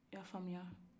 i y'a famuya wa